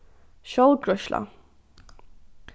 sjálvgreiðsla